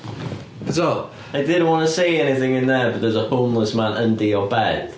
Be ti'n feddwl?... I didn't want to say anything in there, but there's a homeless man under your bed.